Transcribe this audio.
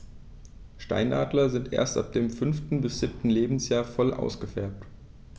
Steinadler sind erst ab dem 5. bis 7. Lebensjahr voll ausgefärbt.